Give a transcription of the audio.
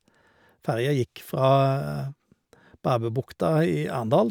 Ferja gikk fra Barbubukta i Arendal, over til Pusnes.